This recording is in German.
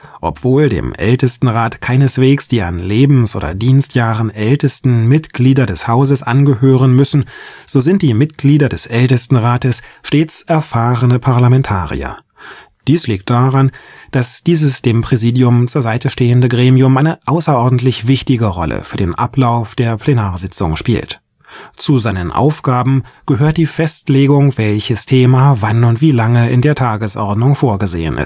Obwohl dem Ältestenrat keineswegs die an Lebens - oder Dienstjahren ältesten Mitglieder des Hauses angehören müssen, so sind die Mitglieder des Ältestenrates stets erfahrene Parlamentarier. Dies liegt daran, dass dieses dem Präsidium zur Seite stehende Gremium eine außerordentlich wichtige Rolle für den Ablauf der Plenarsitzung spielt. Zu seinen Aufgaben gehört die Festlegung, welches Thema wann und wie lange in der Tagesordnung vorgesehen